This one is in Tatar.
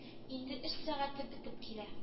Инде эш сәгате бетеп килә